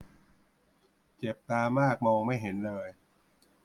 เจ็บตามากมองไม่เห็นเลย